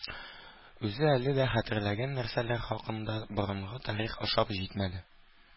Үзе әле дә хәтерләгән нәрсәләр хакында борынгы тарих ошап җитмәде